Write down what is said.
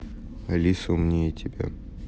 алиса умнее тебя